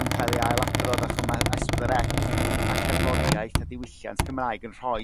yn cael ei ailadrodd a ch'mod ma' es pedwar ec a cerddoriaeth a diwylliant Cymraeg yn rhoi